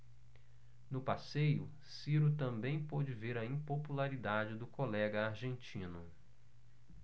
no passeio ciro também pôde ver a impopularidade do colega argentino